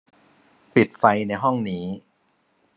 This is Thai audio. ปิดไฟในห้องนี้